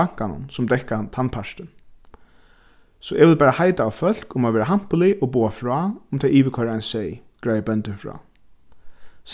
bankanum sum tann partin so eg vil bara heita á fólk um at vera hampilig og boða frá um tey yvirkoyra ein seyð greiðir bóndin frá